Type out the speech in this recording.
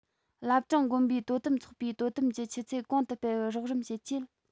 བླ བྲང དགོན པའི དོ དམ ཚོགས པའི དོ དམ གྱི ཆུ ཚད གོང དུ སྤེལ བར རོགས རམ བྱེད ཆེད